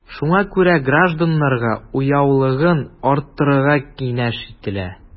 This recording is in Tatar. Шуңа күрә гражданнарга уяулыгын арттырыга киңәш ителә.